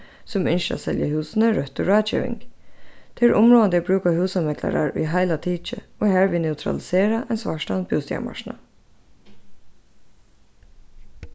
sum ynskja at selja húsini røttu ráðgeving tað er umráðandi at brúka húsameklarar í heila tikið og harvið neutralisera ein svartan bústaðarmarknað